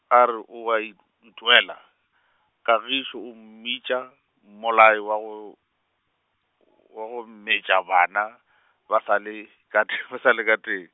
ge, a re o a it- itwela, Kagišo o mmitša, mmolai wa go, w- wa go metša bana, ba sa le ka te-, ba sa le ka teng.